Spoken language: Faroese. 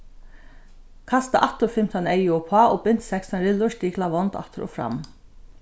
kasta aftur fimtan eygu upp á og bint sekstan rillur stiklavond aftur og fram